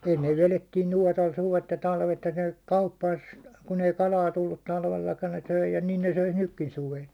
ennen vedettiin nuotalla suvet ja talvet ja ne teki kauppansa kun ei kalaa tullut talvellakaan ne söi ja niin ne söisi nytkin suvella